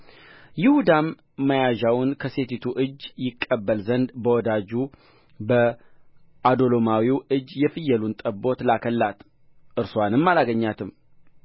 ይሁዳም መያዣውን ከሴቲቱ እጅ ይቀበል ዘንድ በወዳጁ በዓዶሎማዊው እጅ የፍየሉን ጠቦት ላከላት እርስዋንም አላገኛትም